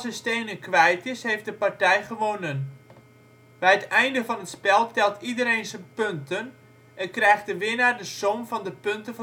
stenen kwijt is, heeft de partij gewonnen. Bij het einde van het spel telt iedereen z 'n punten en krijgt de winnaar de som van de punten